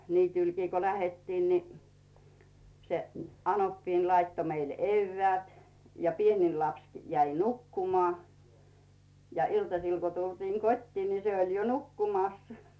niityllekin kun lähdettiin niin se anoppini laittoi meille eväät ja pienin lapsikin jäi nukkumaan ja iltasilla kun tultiin kotiin niin se oli jo nukkumassa